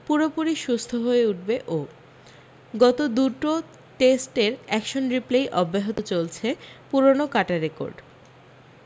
পুরোপুরি সুস্থ হয়ে উঠবে ও গত দুটো টেস্টের একশন রিপ্লেই অব্যাহত চলছে পুরনো কাটা রেকর্ড